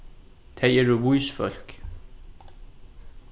tey eru vís fólk